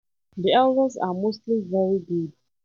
MKH: The elders are mostly very good.